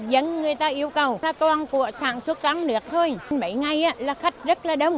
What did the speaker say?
dân người ta yêu cầu là toàn của sản xuất trong nước thôi mấy ngày là khách rất là đông